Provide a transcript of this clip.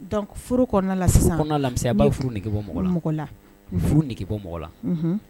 Dɔnku furu kɔnɔna la sisan kɔnɔmi a' furu bɔ mɔgɔ mɔgɔ la furuge bɔ mɔgɔ la